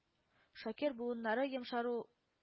Шакир буыннары йомшару